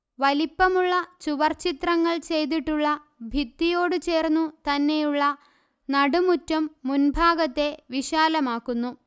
വലിപ്പമുള്ള ചുവർചിത്രങ്ങൾ ചെയ്തിട്ടുള്ള ഭിത്തിയോടു ചേർന്നു തന്നെയുള്ള നടുമുറ്റം മുന്ഭാഗത്തെ വിശാലമാക്കുന്നു